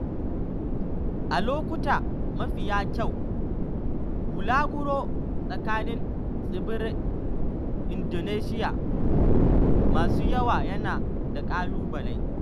A lokuta mafiya kyau, bulaguro tsakanin tsibiran Indonesiya masu yawa yana da ƙalubale.